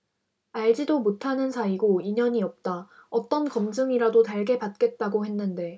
알지도 못하는 사이고 인연이 없다 어떤 검증이라도 달게 받겠다고 했는데